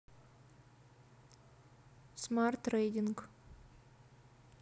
smart reading